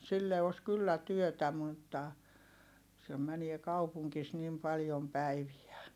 sille olisi kyllä työtä mutta sen menee kaupungissa niin paljon päiviä